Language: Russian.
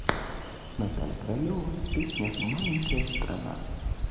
наталья королева песня маленькая страна